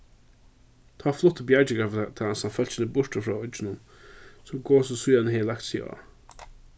tá flutti bjargingartænastan fólkini burtur frá økinum sum gosið síðan hevur lagt seg á